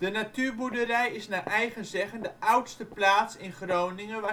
natuurboerderij is naar eigen zeggen de oudste plaats in Groningen